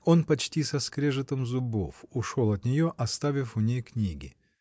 Он почти со скрежетом зубов ушел от нее, оставив у ней книги.